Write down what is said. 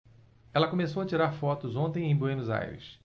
ela começou a tirar fotos ontem em buenos aires